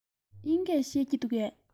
དབྱིན སྐད ཤེས ཀྱི འདུག གས